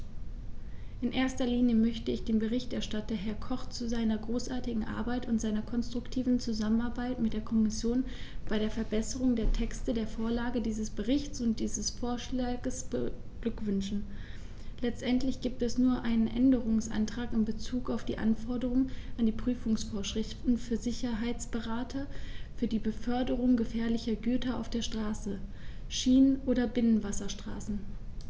In erster Linie möchte ich den Berichterstatter, Herrn Koch, zu seiner großartigen Arbeit und seiner konstruktiven Zusammenarbeit mit der Kommission bei der Verbesserung der Texte, der Vorlage dieses Berichts und dieses Vorschlags beglückwünschen; letztendlich gibt es nur einen Änderungsantrag in bezug auf die Anforderungen an die Prüfungsvorschriften für Sicherheitsberater für die Beförderung gefährlicher Güter auf Straße, Schiene oder Binnenwasserstraßen.